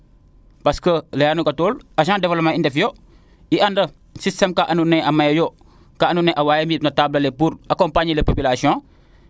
parce que leyaano xatoor agent developpement i ndefu yo i anda systeme kaa ando naye aa maya yo kaa ando naye awaa fi na table ale pour ;fra accompagner les population